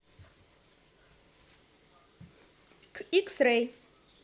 икс рэй